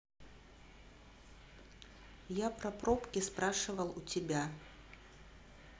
я про пробки спрашивал у тебя